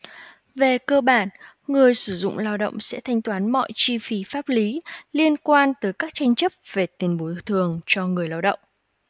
về cơ bản người sử dụng lao động sẽ thanh toán mọi chi phí pháp lý liên quan tới các tranh chấp về tiền bồi thường cho người lao động